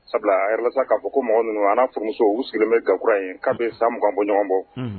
Sabula a jirala sa k'a fɔ ko mɔgɔ ninnu a' n’a furumuso u sigilen bɛ Gakura in k'a bɛ san mugan bɔ ɲɔgɔn bɔ, unhun.